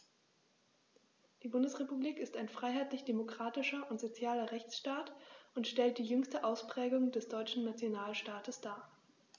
Die Bundesrepublik ist ein freiheitlich-demokratischer und sozialer Rechtsstaat und stellt die jüngste Ausprägung des deutschen Nationalstaates dar.